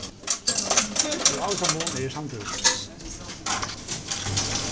í ávísan mun eri eg samdur við tær